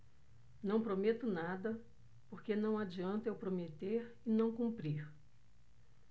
não prometo nada porque não adianta eu prometer e não cumprir